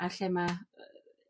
ar lle ma'